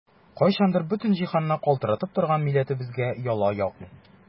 Кайчандыр бөтен җиһанны калтыратып торган милләтебезгә яла ягу!